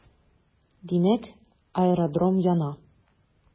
Димәк, аэродром яна.